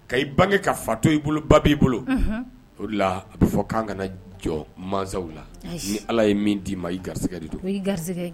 Ka i bange ka fa to i bolo ba b'i bolo unhun o de la a bɛ fɔ k'an kana jɔ mansaw la ayi ni Ala ye min d'i ma i garisigɛ de don o y'i garisigɛ